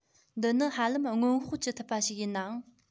འདི ནི ཧ ལམ སྔོན དཔག བགྱི ཐུབ པ ཞིག ཡིན ནའང